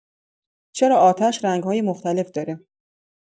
چرا آتش رنگ‌های مختلف داره؟